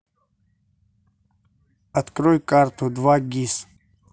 открой карту два гис